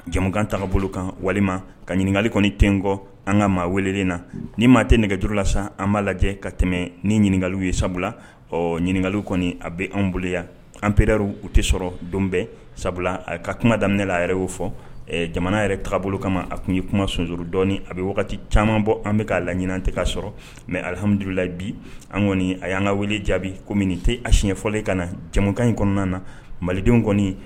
Jamanakan taga bolo kan walima ka ɲininkakali kɔni tɛ kɔ an ka maa welelen na ni maa tɛ nɛgɛjuru la sisan an b'a lajɛ ka tɛmɛ ni ɲininkakali ye sabula ɲininkakali kɔni a bɛ an boloya an pɛr u tɛ sɔrɔ donbɛn sabula ka kuma daminɛ la yɛrɛ oo fɔ jamana yɛrɛ taabolobolo kama a tun ye kuma sonso dɔ a bɛ wagati caman bɔ an bɛ k'a la ɲinan tɛgɛ sɔrɔ mɛ alihamdulila bi an kɔni a y'an ka wele jaabi ko mini tɛ asɲɛfɔlen ka na jamukan in kɔnɔna na malidenw kɔni